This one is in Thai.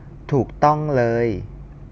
ถูกต้องเลย